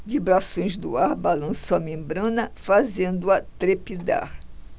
vibrações do ar balançam a membrana fazendo-a trepidar